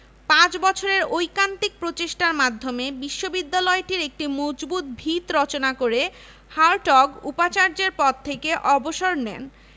পাঁচ বছরের ঐকান্তিক প্রচেষ্টার মাধ্যমে বিশ্ববিদ্যালয়টির একটি মজবুত ভিত রচনা করে হার্টগ উপাচার্যের পদ থেকে অবসর নেন